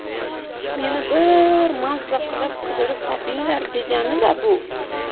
meni bi ir mazza qilib qidirib topinglar deganida bu